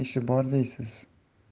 ishi bor deysiz